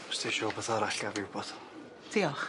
Os ti isio wbath arall ga' fi wbod. Diolch.